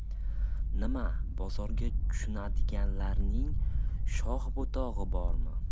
nima bozorga tushadiganlarning shox butog'i bormi